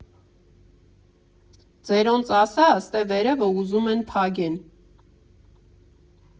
֊ Ձերոնց ասա՝ ստե վերևը ուզում են փագեն։